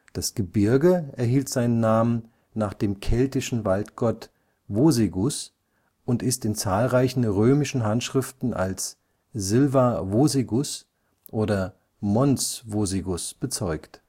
Das Gebirge erhielt seinen Namen nach dem keltischen Waldgott Vosegus und ist in zahlreichen römischen Handschriften als „ silva vosegus “oder „ mons vosegus “bezeugt